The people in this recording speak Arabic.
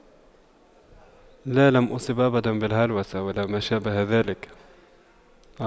لا لم أصب أبدا بالهلوسة ولا ما شابه ذلك